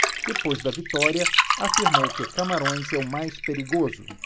depois da vitória afirmou que camarões é o mais perigoso